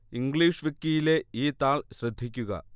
English വിക്കിയിലെ ഈ താൾ ശ്രദ്ധിക്കുക